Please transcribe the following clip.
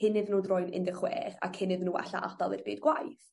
cyn iddyn n'w droi'n un de' chwech a cyn iddyn n'w 'alla' adael i'r byd gwaith.